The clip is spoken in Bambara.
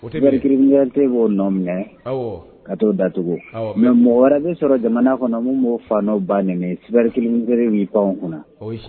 Cyber criminalité b'o nɔ minɛ, awɔ; ka t'o datugu mais mɔgɔ wɛrɛ bɛ sɔrɔ jamana kɔnɔ min b'o fa n'o ba nɛni cyber criminalité b'i pan o kunna!